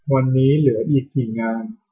วันนี้เหลืออีกกี่งาน